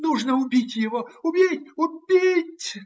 Нужно убить его, убить! убить!